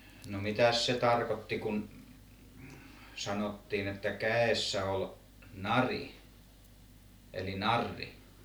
no mitäs se tarkoitti kun sanottiin että kädessä oli nari eli narri